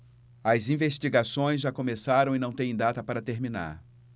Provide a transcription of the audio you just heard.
as investigações já começaram e não têm data para terminar